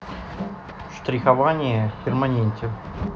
штрихование в перманенте